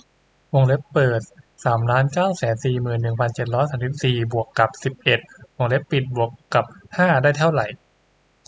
วงเล็บเปิดสามล้านเก้าแสนสี่หมื่นหนึ่งพันเจ็ดร้อยสามสิบสี่บวกกับสิบเอ็ดวงเล็บปิดบวกกับห้าได้เท่าไหร่